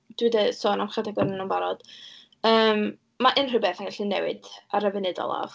Dwi 'di sôn am chydig ohonyn nhw'n barod. Yym, ma' unrhyw beth yn gallu newid ar y funud olaf.